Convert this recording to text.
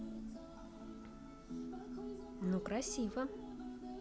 ну красиво